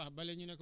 beneen tur